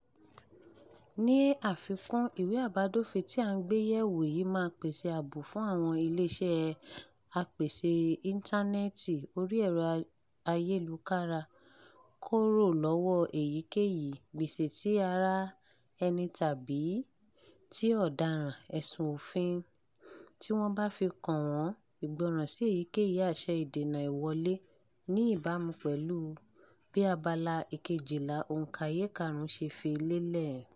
Ní àfikún, ìwé àbádòfin tí a ń gbé yẹ̀ wò yìí máa pèsè ààbò fún àwọn ilé-iṣẹ́ apèsè íńtánẹ̀tìì orí ẹ̀rọ ayélujára kórò lọ́wọ èyíkéyìí "gbèsè ti ara ẹni tàbí ti ọ̀daràn" ẹ̀sùn òfin tí wọ́n bá fi kàn wọ́n "ìgbọràn sí èyíkéyìí àṣẹ ìdènà ìwọlé" ní ìbámu pẹ̀lú bí abala 12, òǹkàye 5 ṣe fi lélẹ̀